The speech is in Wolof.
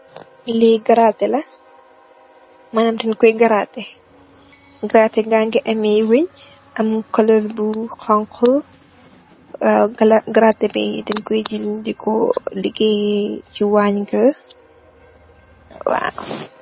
Li garate la, manam deng koi garatey. Garate ba ngi ameh weng, am kulor bu honhu. Garate bi deng koi jel diko ligeye si wange bi